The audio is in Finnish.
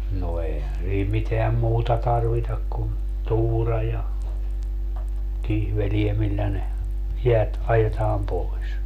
no eihän siinä mitään muuta tarvita kuin tuura ja kihveleitä millä ne jäät ajetaan pois